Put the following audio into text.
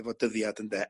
efo dyddiad ynde